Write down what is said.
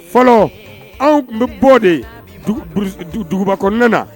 Fɔlɔ anw kun be bɔ de dugu brousse e dug duguba kɔɔna na